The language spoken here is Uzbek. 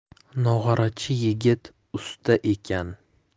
nog'orachi yigit usta ekan